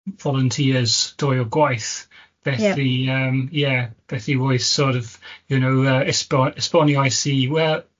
volunteers trwy'r gwaith. Felly yym ie, felly roedd sor' of, you know, yy esbo- esboniais i, wel